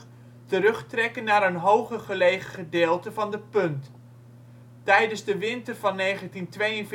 terugtrekken naar een hoger gelegen gedeelte van de Punt. Tijdens de winter van 1942/43